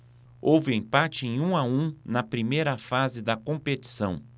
houve empate em um a um na primeira fase da competição